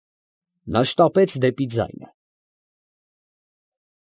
Նա շտապեց դեպի ձայնը։